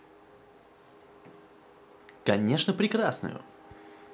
конечно прекрасную